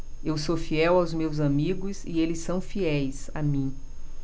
eu sou fiel aos meus amigos e eles são fiéis a mim